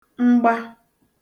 mgba